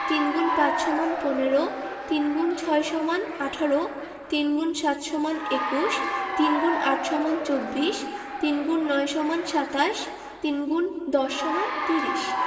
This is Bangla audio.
৩ X ৫ = ১৫ ৩ x ৬ = ১৮ ৩ × ৭ = ২১ ৩ X ৮ = ২৪ ৩ X ৯ = ২৭ ৩ ×১০ = ৩০